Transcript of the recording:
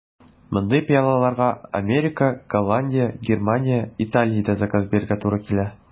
Мондый пыялаларга Америка, Голландия, Германия, Италиядә заказ бирергә туры килә.